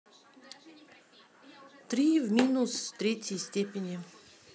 три в минус третьей степени